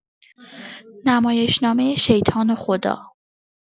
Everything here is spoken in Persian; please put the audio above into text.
نمایشنامۀ شیطان و خدا